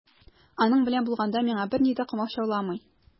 Аның белән булганда миңа берни дә комачауламый.